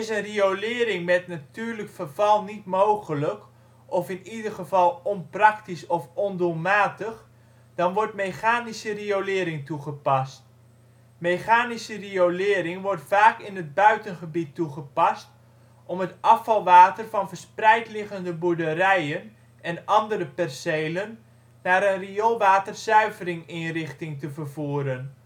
riolering met natuurlijk verval niet mogelijk of in ieder geval onpraktisch of ondoelmatig, dan wordt mechanische riolering toegepast. Mechanische riolering wordt vaak in het buitengebied toegepast om het afvalwater van verspreid liggende boerderijen en andere percelen naar een rioolwaterzuiveringinrichting te vervoeren